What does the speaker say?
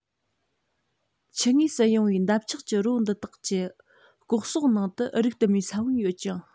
ཆུ ངོས སུ གཡེང བའི འདབ ཆགས ཀྱི རོ འདི རིགས ཀྱི ལྐོག གསོག ནང དུ རིགས དུ མའི ས བོན ཡོད ཅིང